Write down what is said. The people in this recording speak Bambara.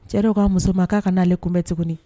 Cɛ dɔ ko a muso ma k'a kan'ale kunbɛn tuguni.